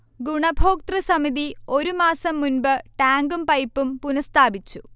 ഗുണഭോക്തൃസമിതി ഒരുമാസം മുൻപ് ടാങ്കും പൈപ്പും പുനഃസ്ഥാപിച്ചു